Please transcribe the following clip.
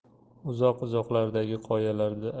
uzoq uzoqlardagi qoyalarda